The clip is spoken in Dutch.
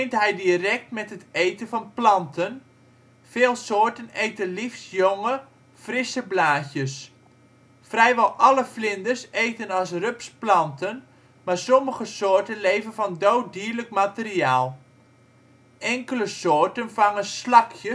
hij direct met het eten van planten, veel soorten eten liefst jonge, frisse blaadjes. Vrijwel alle vlinders eten als rups planten, maar sommige soorten leven van dood dierlijk materiaal. Enkele soorten vangen slakjes